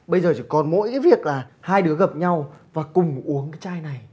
bây giờ chỉ còn mỗi cái việc là hai đứa gặp nhau và cùng uống cái chai này